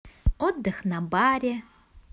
отдых на баре